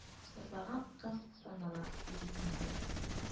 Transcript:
Сазаган кыз санала иде инде